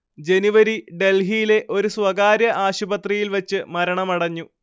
ജനുവരി ഡൽഹിയിലെ ഒരു സ്വകാര്യ ആശുപത്രിയിൽ വച്ച് മരണമടഞ്ഞു